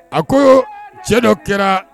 A ko cɛ dɔ kɛra